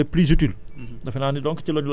quels sont ce qui sont les plus utiles